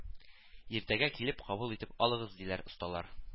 Иртәгә килеп кабул итеп алыгыз, диләр осталар